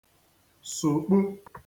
sụ̀kpu